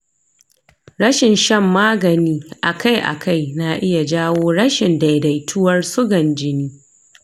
rashin shan magani a kai a kai na iya jawo rashin daidaituwar sugan jini.